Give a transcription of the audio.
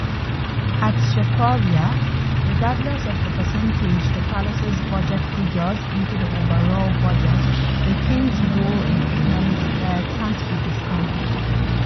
@charquaouia: Regardless of the percentage the palace's budget figures into the overall budget, the king's role in economic sphere can't be discounted.